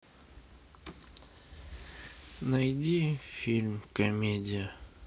найди фильм комедия